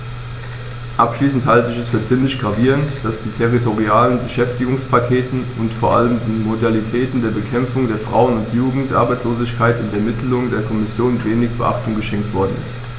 Abschließend halte ich es für ziemlich gravierend, dass den territorialen Beschäftigungspakten und vor allem den Modalitäten zur Bekämpfung der Frauen- und Jugendarbeitslosigkeit in der Mitteilung der Kommission wenig Beachtung geschenkt worden ist.